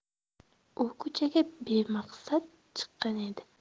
u ko'chaga bemaqsad chiqqan edi